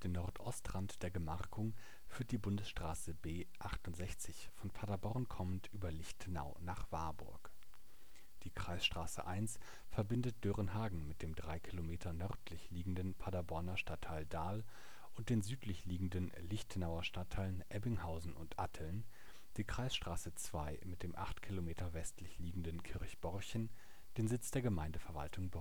Nordostrand der Gemarkung führt die Bundesstraße B 68 von Paderborn kommend über Lichtenau nach Warburg. Die Kreisstraße 1 verbindet Dörenhagen mit dem 3 km nördlich liegenden Paderborner Stadtteil Dahl und den südlich liegenden Lichtenauer Stadtteilen Ebbinghausen und Atteln, die Kreisstraße 2 mit dem 8 km westlich liegenden Kirchborchen, dem Sitz der Gemeindeverwaltung